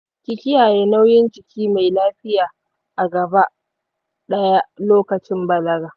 ki kiyaye nauyin jiki mai lafiya a gaba daya lokicin balaga.